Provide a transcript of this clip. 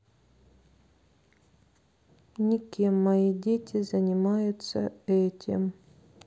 никем мои дети занимаются этим